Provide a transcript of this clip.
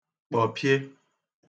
kpọ̀pie